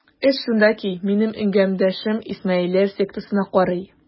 Эш шунда ки, минем әңгәмәдәшем исмаилләр сектасына карый.